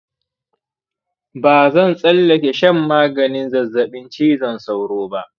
ba zan tsallake shan maganin zazzaɓin cizon sauro ba.